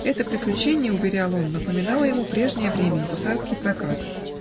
Это приключение, уверял он, напоминало ему прежнее время и гусарские проказы.